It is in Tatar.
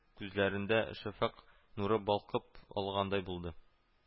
Күзләрендә шәфәкъ нуры балкып алгандай булды